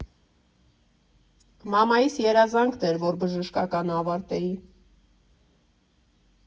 Մամայիս երազանքն էր, որ բժշկականն ավարտեի։